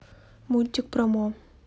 мультик про мо